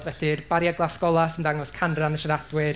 Felly, yr bariau glas golau sy'n dangos canran y siaradwyr.